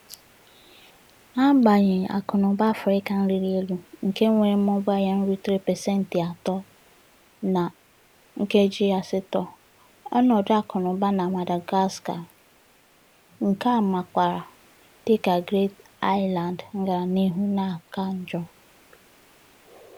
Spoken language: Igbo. N'agbanyeghị akụnaụba Afrịka rịrị elu nke nwere mmụba ya rutere pasenti 3.8, ọnọdụ akụnaụba na Madagascar, nke a makwaara dịka Great Island, gara n'ihu na-aka njọ.